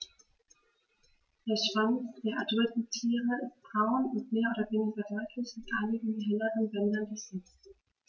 Der Schwanz der adulten Tiere ist braun und mehr oder weniger deutlich mit einigen helleren Bändern durchsetzt.